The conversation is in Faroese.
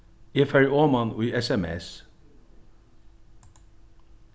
eg fari oman í sms